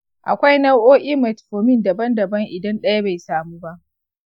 akwai nau’o’in metformin daban-daban idan ɗaya bai samu ba.